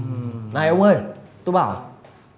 này ông ơi tôi bảo